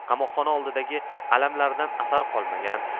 qamoqxona oldidagi alamlaridan asar qolmagan